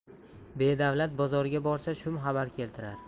bedavlat bozorga borsa shum xabar keltirar